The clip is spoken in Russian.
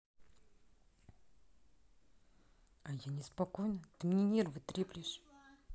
а я не спокойна ты мне нервы треплешь